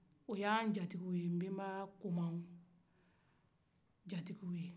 o y'a jatikiw ye